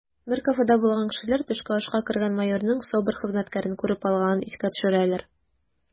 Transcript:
Бер кафеда булган кешеләр төшке ашка кергән майорның СОБР хезмәткәрен күреп алганын искә төшерәләр: